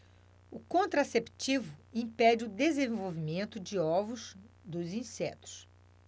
o contraceptivo impede o desenvolvimento de ovos dos insetos